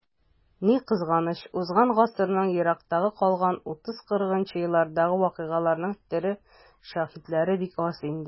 Ни кызганыч, узган гасырның еракта калган 30-40 нчы елларындагы вакыйгаларның тере шаһитлары бик аз инде.